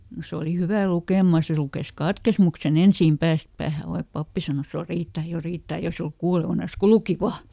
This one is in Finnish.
se oli hyvä lukemaan se luki katekismuksen ensin päästä päähän vaikka pappi sanoi jo riittää jo riittää eikä se ollut kuulevinansa kun luki vain